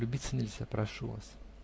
А влюбиться нельзя, прошу вас!